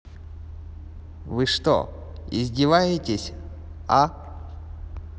вы что издеваетесь а